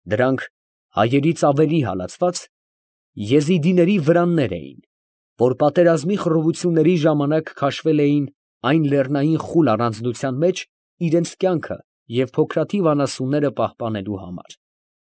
Դրանք, հայերից ավելի հալածված, եզիդիների վրաններ էին, որ պատերազմի խռովությունների ժամանակ քաշվել էին այն լեռնային խուլ առանձնության մեջ իրանց կյանքը և փոքրաթիվ անասունները պահպանելու համար։